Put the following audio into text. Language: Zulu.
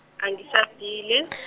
angishadile .